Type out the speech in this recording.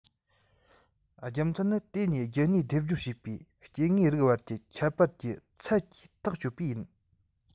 རྒྱུ མཚན ནི དེ གཉིས རྒྱུད གཉིས སྡེབ སྦྱོར བྱས པའི སྐྱེ དངོས རིགས བར གྱི ཁྱད པར གྱི ཚད ཀྱིས ཐག གཅོད པས ཡིན